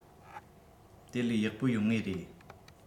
དེ ལས ཡག པ ཡོང ངེས རེད